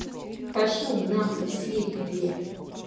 пошел нахуй сири где